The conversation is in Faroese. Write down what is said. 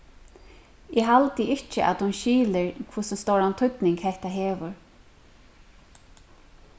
eg haldi ikki at hon skilir hvussu stóran týdning hetta hevur